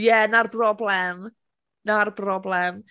Ie, 'na'r broblem. 'Na'r broblem.